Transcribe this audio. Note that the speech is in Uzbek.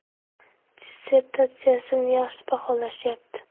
dissertatsiyasini yaxshi baholashyapti